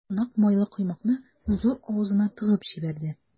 Кунак майлы коймакны зур авызына тыгып җибәрде.